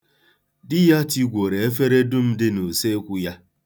Di ya tigworo efere dum dị n'usekwu ya.